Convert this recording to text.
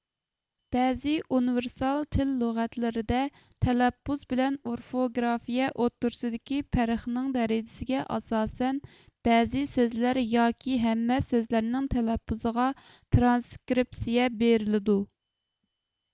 بەزى ئۇنىۋېرسال تىل لۇغەتلىرىدە تەلەپپۇز بىلەن ئورفوگرافىيە ئوتتۇرىسىدىكى پەرقنىڭ دەرىجىسىگە ئاساسەن بەزى سۆزلەر ياكى ھەممە سۆزلەرنىڭ تەلەپپۇزىغا ترانسكرىپسىيە بېرىلىدۇ